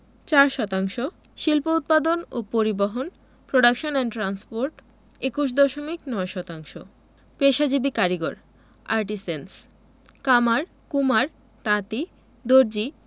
৪ শতাংশ শিল্প উৎপাদন ও পরিবহণ প্রোডাকশন এন্ড ট্রান্সপোর্ট ২১ দশমিক ৯ শতাংশ পেশাজীবী কারিগরঃ আর্টিসেন্স কামার কুমার তাঁতি দর্জি